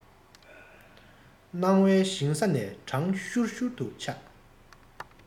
སྣང བའི ཞིང ས ནས གྲང ཤུར ཤུར དུ ཆག